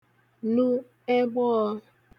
nu ẹgbọọ̄